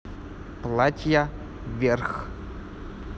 платья вверх